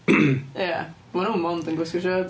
Ie, maen nhw mond yn gwisgo siorts.